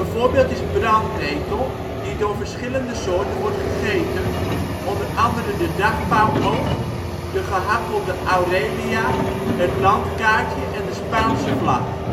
voorbeeld is brandnetel, die door verschillende soorten wordt gegeten, onder andere de dagpauwoog, de gehakkelde aurelia, het landkaartje en de Spaanse vlag